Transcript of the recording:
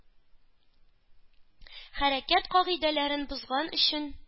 Хәрәкәт кагыйдәләрен бозган өчен